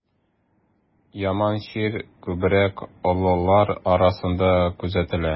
Яман чир күбрәк олылар арасында күзәтелә.